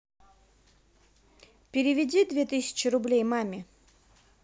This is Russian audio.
переведи две тысячи рублей маме